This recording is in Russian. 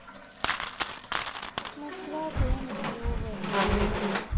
москва кремль повар